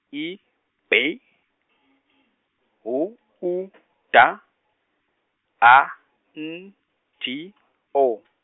I, A , H, U , D, A, N, G , O.